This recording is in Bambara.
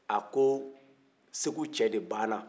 a ko segu cɛ de banna